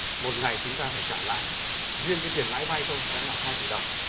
một ngày chúng ta phải trả lãi riêng cái tiền lãi vay thôi đã là hai tỷ đồng